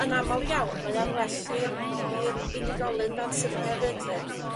yn amal iawn mae o'n well i'r i'r unigolyn dan sylw hefyd lly.